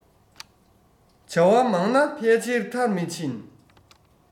བྱ བ མང ན ཕལ ཆེར མཐར མི ཕྱིན